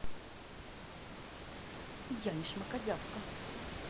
я не шмокодявка